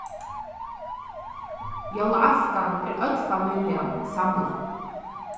jólaaftan er øll familjan samlað